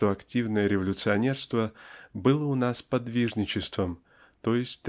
что активное революций-нерство было у нас подвижничеством т. е.